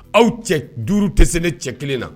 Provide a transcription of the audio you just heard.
Aw cɛ 5 tɛ se ne cɛ 1 na.